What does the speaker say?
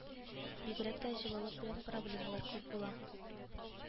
Бигрәк тә җылылык белән проблемалар күп була